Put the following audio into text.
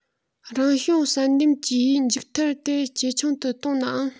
རང བྱུང བསལ འདེམས ཀྱིས མཇུག མཐར དེ ཇེ ཆུང དུ གཏོང ནའང